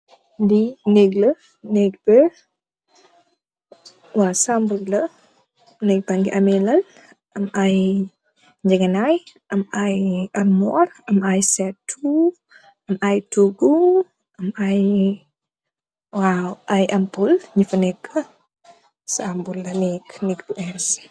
Lee neek la neek baa waw saburr la, neek bage ameh lal am aye jegenaye am aye armorr am aye seetu am aye toogu am ayee waw aye ample nufa neke saburr la neeke, neeke bu ess.